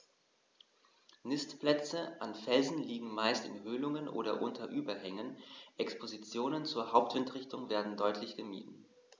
Nistplätze an Felsen liegen meist in Höhlungen oder unter Überhängen, Expositionen zur Hauptwindrichtung werden deutlich gemieden.